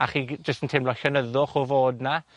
A chi gy- jyst yn teimlo llonyddwch o fod 'na.